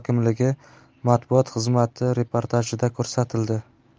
hokimligi matbuot xizmati reportajida ko'rsatildi